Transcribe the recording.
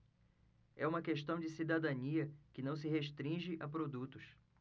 é uma questão de cidadania que não se restringe a produtos